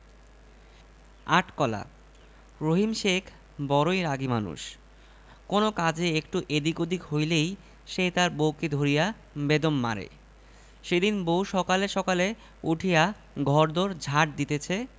কেহ কখনো শোলমাছ ধরিতে পারে কখন তুমি আমাকে শোলমাছ আনিয়া দিলে তোমার কি মাথা খারাপ হইয়াছে তখন রহিমের মাথায় রাগের আগুন জ্বলিতেছে